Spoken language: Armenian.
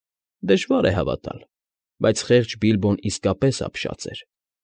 Դժվար է հավատալ, բայց խեղճ Բիլբոն իսկապես ապշած էր։